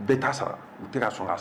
Bɛɛ taa' sara u tɛ ka so ka sa